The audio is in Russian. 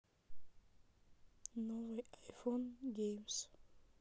новый айфон геймс